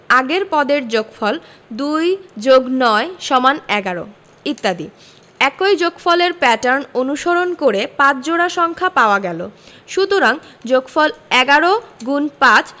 আগের পদের যোগফল ২+৯=১১ ইত্যাদি একই যোগফলের প্যাটার্ন অনুসরণ করে ৫ জোড়া সংখ্যা পাওয়া গেল সুতরাং যোগফল ১১*৫